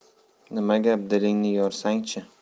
nima gap dilingni yorsang chi